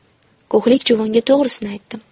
ko'hlik juvonga to'g'risini aytdim